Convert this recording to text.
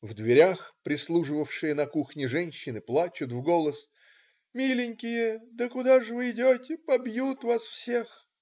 В дверях прислуживавшие на кухне женщины плачут в голос: "Миленькие, да куда же вы идете,- побьют вас всех!